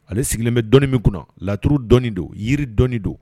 Ale sigilen bɛ dɔn min kunna laturu dɔi don yiri dɔi don